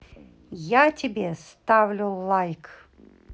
я тебе ставлю лайк